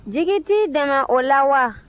jigi t'i dɛmɛ o la wa